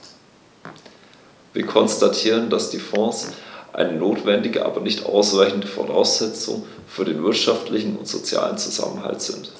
Wir konstatieren, dass die Fonds eine notwendige, aber nicht ausreichende Voraussetzung für den wirtschaftlichen und sozialen Zusammenhalt sind.